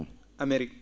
Amérique